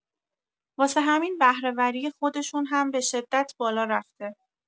واسه همین بهره‌وری خودشون هم به‌شدت بالا رفته.